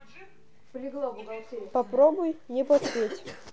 попробуй не подпеть